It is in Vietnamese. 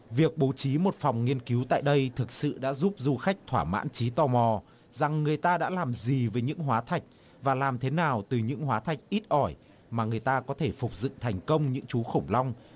việc bố trí một phòng nghiên cứu tại đây thực sự đã giúp du khách thỏa mãn trí tò mò rằng người ta đã làm gì với những hóa thạch và làm thế nào từ những hóa thạch ít ỏi mà người ta có thể phục dựng thành công những chú khủng long